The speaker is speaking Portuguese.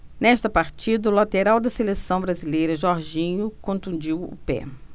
nesta partida o lateral da seleção brasileira jorginho contundiu o pé